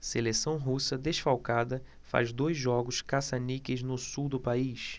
seleção russa desfalcada faz dois jogos caça-níqueis no sul do país